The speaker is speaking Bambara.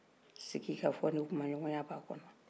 sigikafɔ ni kumaɲɔgɔnya b' a kɔnɔ